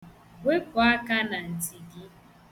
Wepụ aka na ntị gị.